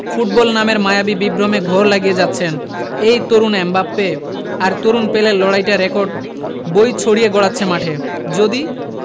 football নামের মায়াবী বিভ্রমে ঘোর লাগিয়ে যাচ্ছেন এই তরুণ এমবাপ্পে আর তরুণ পেলের লড়াইটা রেকর্ড বই ছড়িয়ে গড়াচ্ছে মাঠে যদি